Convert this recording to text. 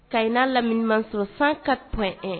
Kay n'a laminimansɔrɔ san ka tun